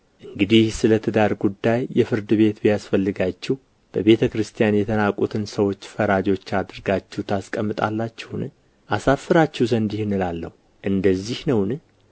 እንግዲህ ስለ ትዳር ጉዳይ የፍርድ ቤት ቢያስፈልጋችሁ በቤተ ክርስቲያን የተናቁትን ሰዎች ፈራጆች አድርጋችሁ ታስቀምጣላችሁን አሳፍራችሁ ዘንድ ይህን እላለሁ እንደዚህ ነውን